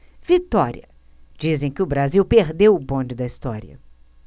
vitória dizem que o brasil perdeu o bonde da história